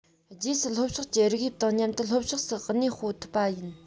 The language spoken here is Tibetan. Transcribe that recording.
རྗེས སུ ལྷོ ཕྱོགས ཀྱི རིགས དབྱིབས དང མཉམ དུ ལྷོ ཕྱོགས སུ གནས སྤོ ཐུབ པ ཡིན